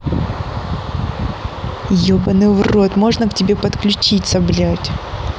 ебаный в рот можно к тебе подключиться блядь